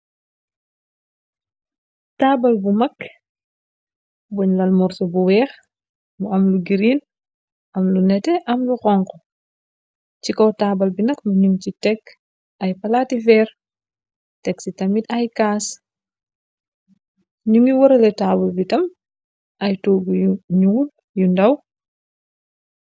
taabal bu mag boñ lal morso bu weex mu am lu giriin am lu nete am lu xongo ci kow taabal bi nax na nim ci tekk ay palaati veer teg si tamit ay caas ñu ngiy warale taabal bitam ay toogu y nuwul yu ndaw